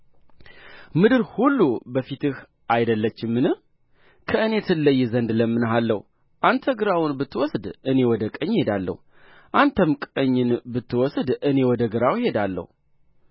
ሎጥም ዓይኑን አነሣ በዮርዳኖስ ዙሪያ ያለውንም አገር ሁሉ ውኃ የሞላበት መሆኑን አየ